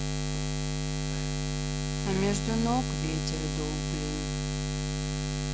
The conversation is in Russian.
а между ног ветер дул блин